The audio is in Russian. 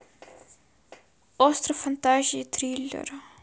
остров фантазий триллер